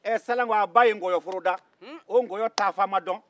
ee salonkɔ a b'a ye nkɔyɔforo da o nkɔyɔ taa fan ma dɔn